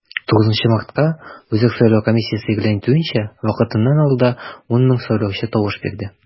5 мартка, үзәк сайлау комиссиясе игълан итүенчә, вакытыннан алда 10 мең сайлаучы тавыш бирде.